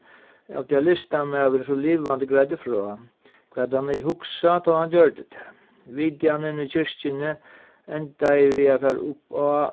av tí at listamaðurin so livandi greiddi frá hvat hann hevði hugsað tá hann gjørdi tær vitjanin í kirkjuni endaði við at fara uppá